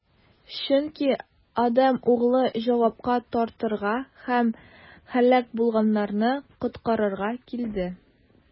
Чөнки Адәм Углы җавапка тартырга һәм һәлак булганнарны коткарырга килде.